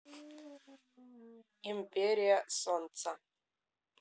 империя солнца